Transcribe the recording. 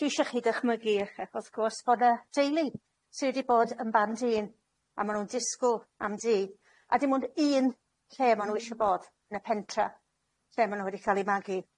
Dwi isio chi ddychmygu wth gwrs bod y deulu sy wedi bod yn band un, a ma' nw'n disgwl am dŷ, a dim ond un lle ma' nw isio bod, yn y pentra lle ma' nw wedi ca'l 'u magu.